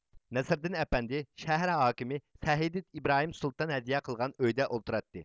نەسرىدىن ئەپەندى شەھەر ھاكىمى سەئىد ئىبراھىم سۇلتان ھەدىيە قىلغان ئۆيدە ئولتۇراتتى